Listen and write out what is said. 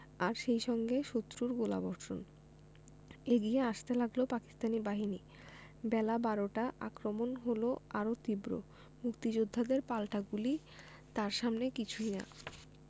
আর সেই সঙ্গে শত্রুর গোলাবর্ষণ এগিয়ে আসতে লাগল পাকিস্তানি বাহিনী বেলা বারোটা আক্রমণ হলো আরও তীব্র মুক্তিযোদ্ধাদের পাল্টা গুলি তার সামনে কিছুই না